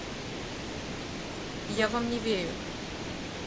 а я вам не верю